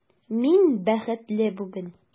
Мин бәхетле бүген!